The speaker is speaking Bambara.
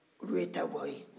olu ye taguwaw ye